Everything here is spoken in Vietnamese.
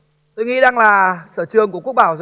tôi nghĩ đang là sở trường của quốc bảo